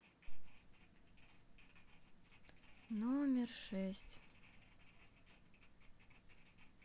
номер шесть